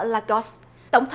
la cót tổng thống